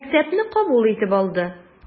Мәктәпне кабул итеп алды.